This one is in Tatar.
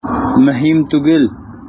Мөһим түгел.